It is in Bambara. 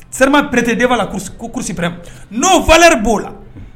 Serment prêté devant la cour suprême, non valeur b'o la